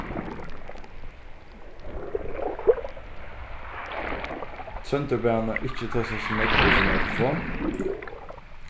tróndur bað hana ikki tosa so nógv í sínari telefon